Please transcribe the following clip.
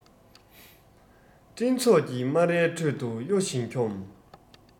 སྤྲིན ཚོགས ཀྱི སྨ རའི ཁྲོད དུ གཡོ ཞིང འཁྱོམ